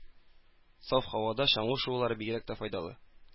Саф һавада чаңгы шуулары бигрәк тә файдалы.